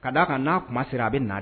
Ka d' a kan n' a kuma ma sira a bɛ naa